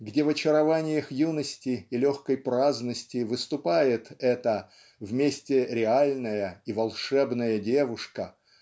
где в очарованиях юности и легкой праздности выступает эта вместе реальная и волшебная девушка